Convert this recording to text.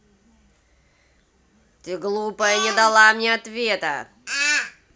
ты глупая и не дала мне ответа